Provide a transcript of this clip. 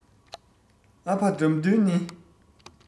ཨ ཕ དགྲ འདུལ ནི